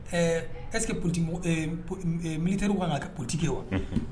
Ɛɛ ɛ p miniiritari kan kɛ ptigike wa